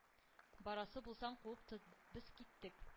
Барасы булсаң, куып тот, без киттек,